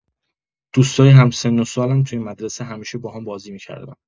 دوستای هم‌سن‌وسالم توی مدرسه همیشه باهام بازی می‌کردن.